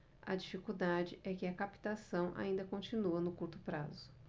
a dificuldade é que a captação ainda continua no curto prazo